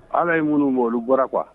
Allah ye minnu bɔ olu bɔra quoi